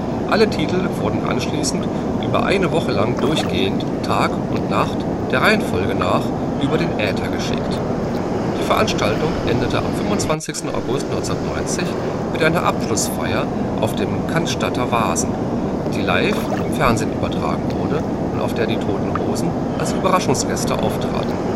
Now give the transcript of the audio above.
Alle Titel wurden anschließend über eine Woche lang durchgehend Tag und Nacht, der Reihenfolge nach, über den Äther geschickt. Die Veranstaltung endete am 25. August 1990 mit einer Abschlussfeier auf dem Cannstatter Wasen, die live im Fernsehen übertragen wurde und auf der Die Toten Hosen als Überraschungsgäste auftraten